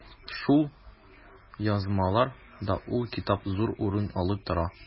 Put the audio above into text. Шул язмалар да ул китапта зур урын алып тора.